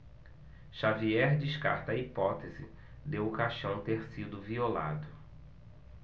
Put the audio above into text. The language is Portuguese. xavier descarta a hipótese de o caixão ter sido violado